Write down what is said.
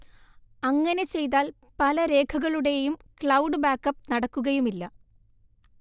അങ്ങനെ ചെയ്താൽ പല രേഖകളുടെയും ക്ലൗഡ് ബാക്ക്അപ്പ് നടക്കുകയുമില്ല